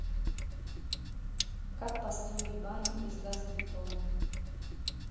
как построить баню из газобетона